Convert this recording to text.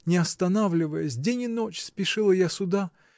не останавливаясь, день и ночь спешила я сюда